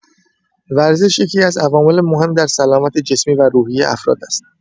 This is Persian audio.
ورزش یکی‌از عوامل مهم در سلامت جسمی و روحی افراد است.